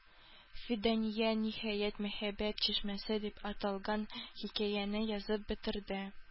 Фидания, ниһаять, "Мәхәббәт чишмәсе" дип аталган хикәяне язып бетерде.